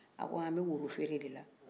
a k'an bɛ woro feere de la